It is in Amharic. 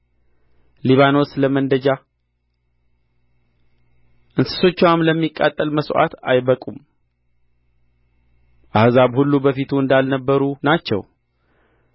ሊባኖስ ለማንደጃ እንስሶችዋም ለሚቃጠል መሥዋዕት አይበቁም አሕዛብ ሁሉ በፊቱ እንዳልነበሩ ናቸው